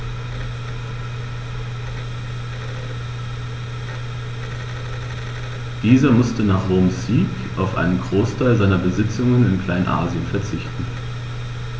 Dieser musste nach Roms Sieg auf einen Großteil seiner Besitzungen in Kleinasien verzichten.